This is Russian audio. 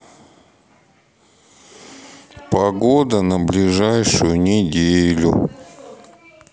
погода на ближайшую неделю